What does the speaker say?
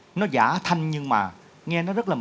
nó giả thanh nhưng mà nghe nó rất là